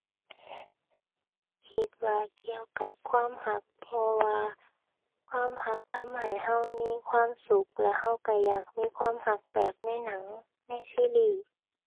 คิดว่าเกี่ยวกับความรัก เพราะว่าความรักทำให้รักมีความสุข แล้วรักรักอยากมีความรักแบบในหนัง ในซีรีส์